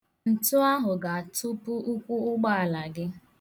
Ntu ahụ ga-atụpu ụkwụ ụgbaala gị.